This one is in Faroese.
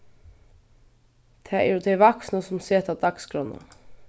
tað eru tey vaksnu sum seta dagsskránna